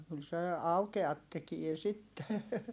kyllä se aukeat tekee sitten